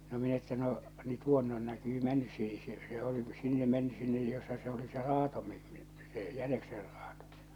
no minä että no niin tuonne on näkyy mennyt siihen se se oli sinne mennyt sinne jossa se oli se raato -- se jäniksen raato